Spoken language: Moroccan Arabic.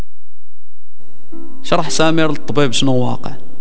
شرح سامر الطبيب شنو واقع